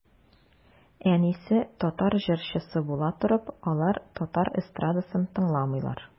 Әнисе татар җырчысы була торып, алар татар эстрадасын тыңламыйлар.